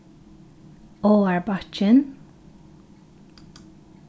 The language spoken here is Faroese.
áarbakkin